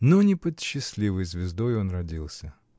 но не под счастливой звездой он родился!